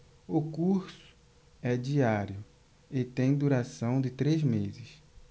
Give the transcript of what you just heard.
o curso é diário e tem duração de três meses